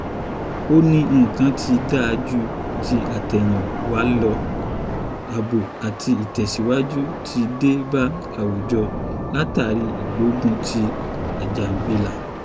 Ó ní, ”Nǹkan ti da ju ti àtẹ̀yínwa lọ. Àbò àti ìtẹ̀síwájú ti dé bá àwùjọ látàrí ìgbógunti àjàngbilà.”